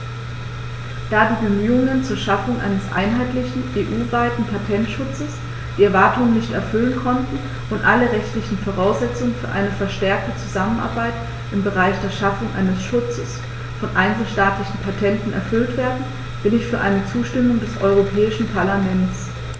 Da die Bemühungen zur Schaffung eines einheitlichen, EU-weiten Patentschutzes die Erwartungen nicht erfüllen konnten und alle rechtlichen Voraussetzungen für eine verstärkte Zusammenarbeit im Bereich der Schaffung eines Schutzes von einzelstaatlichen Patenten erfüllt werden, bin ich für eine Zustimmung des Europäischen Parlaments.